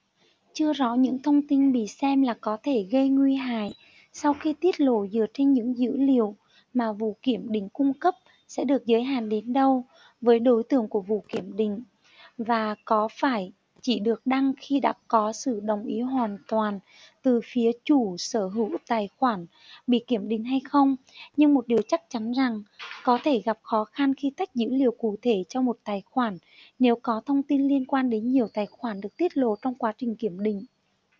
chưa rõ những thông tin bị xem là có thể gây nguy hại sau khi tiết lộ dựa trên những dữ liệu mà vụ kiểm định cung cấp sẽ được giới hạn đến đâu với đối tượng của vụ kiểm định và có phải chỉ được đăng khi đã có sự đồng ý hoàn toàn tứ phía chủ sở hữu tài khoản bị kiểm định hay không nhưng một điều chắc chắn rằng có thể gặp khó khăn khi tách dữ liệu cụ thể cho một tài khoản nếu có thông tin liên quan đến nhiều tài khoản được tiết lộ trong quá trình kiểm định